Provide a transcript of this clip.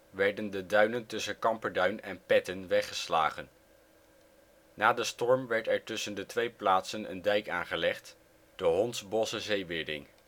werden de duinen tussen Camperduin en Petten weggeslagen. Na de storm werd er tussen de twee plaatsen een dijk aangelegd, de Hondsbossche Zeewering